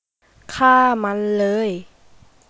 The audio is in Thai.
ฆ่ามันเลย